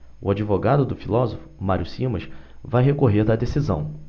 o advogado do filósofo mário simas vai recorrer da decisão